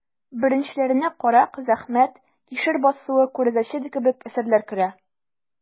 Беренчеләренә «Карак», «Зәхмәт», «Кишер басуы», «Күрәзәче» кебек әсәрләр керә.